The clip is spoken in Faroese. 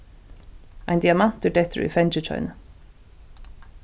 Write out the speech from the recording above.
ein diamantur dettur í fangið hjá henni